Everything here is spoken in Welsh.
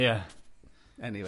Ie, eniwe.